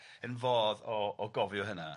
yn fodd o o gofio hynna... Ia...